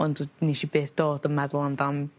ond d- nesh i byth dod yn meddwl amdan